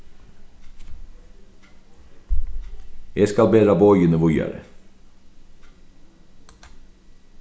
eg skal bera boðini víðari